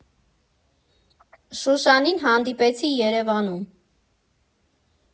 Շուշանին հանդիպեցի Երևանում։